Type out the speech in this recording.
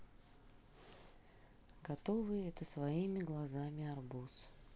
готовые это своими глазами арбуз